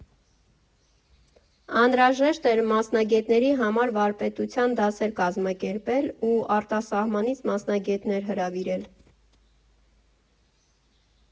Անհրաժեշտ էր մասնագետների համար վարպետության դասեր կազմակերպել ու արտասահմանից մասնագետներ հրավիրել։